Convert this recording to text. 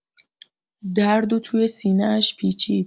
درد و توی سینه‌اش پیچید.